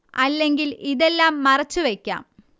അല്ലെങ്കിൽ ഇതെല്ലാം മറച്ചുവെക്കാം